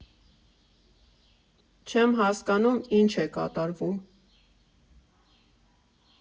Չեմ հասկանում՝ ի՞նչ է կատարվում։